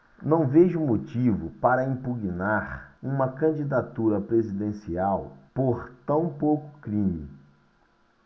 não vejo motivo para impugnar uma candidatura presidencial por tão pouco crime